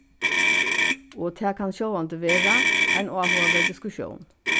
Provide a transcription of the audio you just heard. og tað kann sjálvandi vera ein áhugaverd diskussión